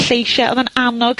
lleisia odd yn annog...